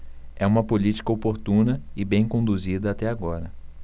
é uma política oportuna e bem conduzida até agora